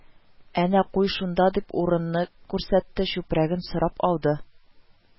– әнә куй шунда, – дип, урын күрсәтте, чүпрәген сорап алды